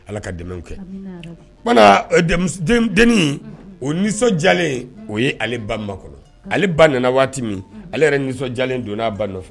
Ala ka dɛmɛ kɛ deni o nisɔnja o ye ale baba kɔnɔ ale ba nana waati min ale yɛrɛ nisɔnjalen don n'a ba nɔfɛ